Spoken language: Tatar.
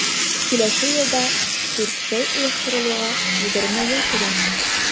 Киләсе елда Тюрксой оештырылуга 20 ел тула.